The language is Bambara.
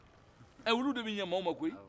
ɛɛ olu de bɛ ɲɛ maaw ma koyi